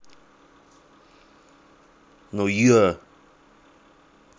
но я